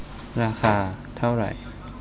ราคาเท่าไหร่